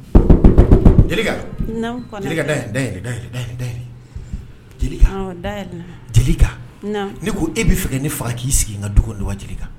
-Jelika,. Naamu! Kɔnɛ. Jelika, dayɛlɛ, dayɛlɛ Jelika! Awɔ, dayɛlɛ la. Jelika! Naamu,. Ne ko, e bɛ fɛ fa ne faga k'i sigi n ka du kɔnɔ ni waati ni na?